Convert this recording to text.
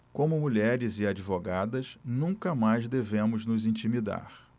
como mulheres e advogadas nunca mais devemos nos intimidar